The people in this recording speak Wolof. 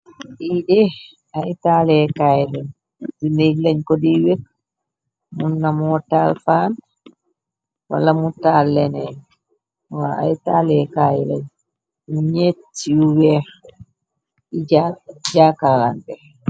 iy deex ay taaleekaay lañ di nëy lañ ko diy wet mun namoo taalfaan wala mu talleneen ay taaleekaay lañ yu ñeet ci yu weex jaakaraan beex